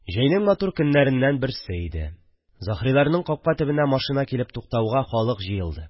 Җәйнең матур көннәреннән берсе иде – Заһриларның капка төбенә машина килеп туктауга, халык җыелды